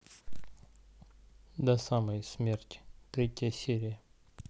до самой смерти третья серия